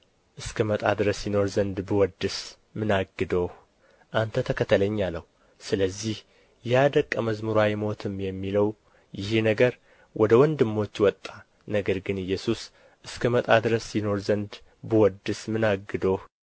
እስክመጣ ድረስ ይኖር ዘንድ ብወድስ ምን አግዶህ አንተ ተከተለኝ አለው ስለዚህ ያ ደቀ መዝሙር አይሞትም የሚለው ይህ ነገር ወደ ወንድሞች ወጣ ነገር ግን ኢየሱስ እስክመጣ ድረስ ይኖር ዘንድ ብወድስ ምን አግዶህ